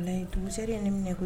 Dugu se ye ne minɛ koyi